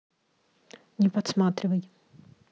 не подсматривай